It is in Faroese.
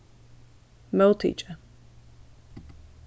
móttikið